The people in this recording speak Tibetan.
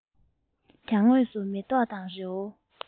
གྱང ངོས སུ མེ ཏོག དང རི བོ